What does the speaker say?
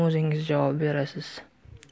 o'zingiz javob berasiz